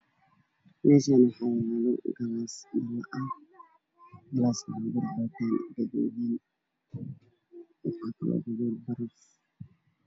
Meshan waxyalo galas dhalo ah waxan kujira cabitan gaduudan io baraf